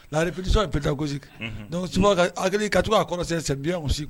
La répétition est pédagogique unhun donc souvent ka h hakiliki ka to k'a kɔrɔsiyɛn c'est bien aussi